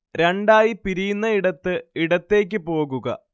രണ്ടായി പിരിയുന്നയിടത്ത് ഇടത്തേക്ക് പോകുക